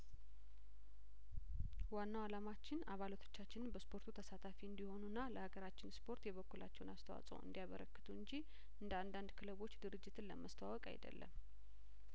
ዋናው አላማችን አባላ ቶቻችንን በስፖርቱ ተሳታፊ እንዲሆኑና ለሀገራችን ስፖርት የበኩላቸውን አስተዋጽኦ እንዲ ያበረክቱ እንጂ እንደአንዳንድ ክለቦች ድርጅትን ለማስተዋወቅ አይደለም